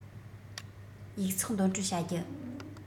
ཡིག ཚགས འདོན སྤྲོད བྱ རྒྱུ